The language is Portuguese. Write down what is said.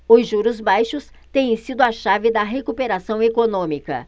os juros baixos têm sido a chave da recuperação econômica